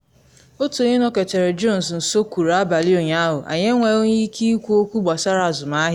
Otu onye nọketere Jones nso kwuru abalị ụnyahụ “Anyị enwenwughi ike ikwu okwu gbasara azụmahịa ya.”